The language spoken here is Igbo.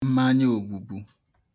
mmanya obūbū